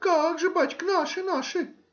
Как же, бачка,— наши, наши.